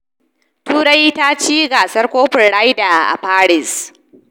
Turai taci gasar kofin Ryder a Paris